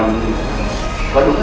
đúng